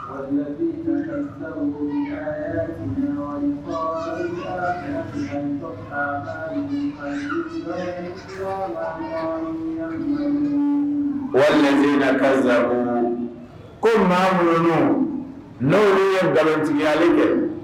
Wa ka ko maa muunu no ye nkalontigiya ye